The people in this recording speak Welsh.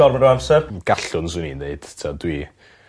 gormod o amser. Gallw swn i'n deud t'od dwi